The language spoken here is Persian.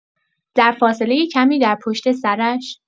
در فاصله کمی در پشت سرش